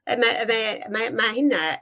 y m'e y m'e mae ma' hynna